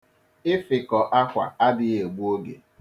Ịfịkọ akwa adịghị egbu oge.